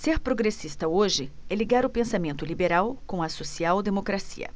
ser progressista hoje é ligar o pensamento liberal com a social democracia